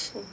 hum